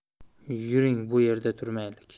yuring bu yerda turmaylik